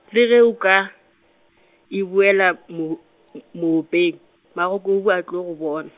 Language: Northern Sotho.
le ge o ka, e buela moho- m-, maopeng, magokobu a tlo go bona.